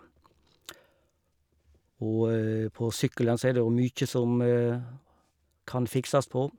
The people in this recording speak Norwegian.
Og på sykkelen så er det jo mye som kan fikses på.